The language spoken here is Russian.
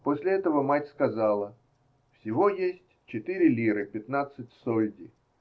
После этого мать сказала: "Всего есть четыре лиры пятнадцать сольди.